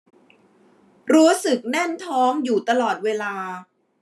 รู้สึกแน่นท้องอยู่ตลอดเวลา